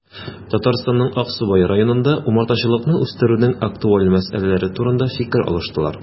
Татарстанның Аксубай районында умартачылыкны үстерүнең актуаль мәсьәләләре турында фикер алыштылар